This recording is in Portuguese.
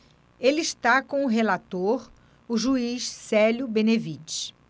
ele está com o relator o juiz célio benevides